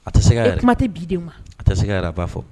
A tɛ siga yɛrɛ, kuma tɛ bi denw ma, a tɛ siga yɛrɛ a b'a fɔ